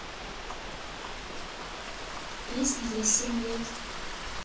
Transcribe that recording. песни для семь лет